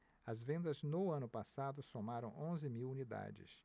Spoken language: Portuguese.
as vendas no ano passado somaram onze mil unidades